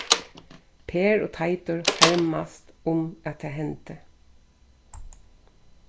per og teitur harmast um at tað hendi